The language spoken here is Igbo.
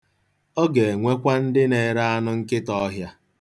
Ọ ga-enwekwa ndị na-ere anụ nkịtaọhịa.